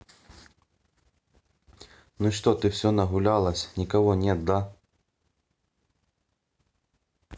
ну что ты все нагулялась никого нет да